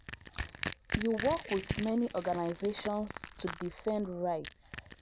GV: You work with many organizations to defend rights.